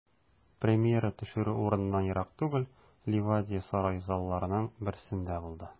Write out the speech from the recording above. Премьера төшерү урыныннан ерак түгел, Ливадия сарае залларының берсендә булды.